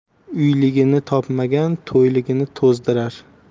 uyligini topmagan to'yligini to'zdirar